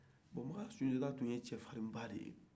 bɔn makan sunjata tun ye cɛfariba de ye